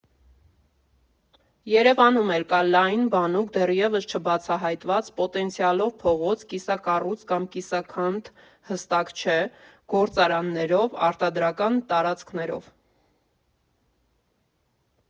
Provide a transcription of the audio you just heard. Երևանում էլ կա, լայն, բանուկ, դեռևս չբացահայտված պոտենցիալով փողոց՝ կիսակառույց (կամ կիսաքանդ՝ հստակ չէ) գործարաններով, արտադրական տարածքներով։